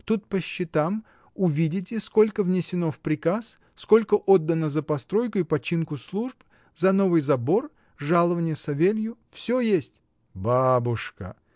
Тут по счетам увидите, сколько внесено в приказ, сколько отдано за постройку и починку служб, за новый забор, жалованье Савелью — всё есть. — Бабушка!